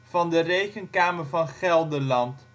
van de Rekenkamer van Gelderland